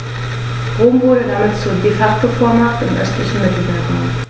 Rom wurde damit zur ‚De-Facto-Vormacht‘ im östlichen Mittelmeerraum.